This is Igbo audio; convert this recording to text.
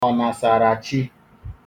ònàsàràchi